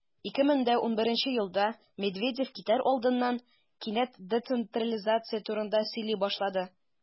2011 елда медведев китәр алдыннан кинәт децентрализация турында сөйли башлады.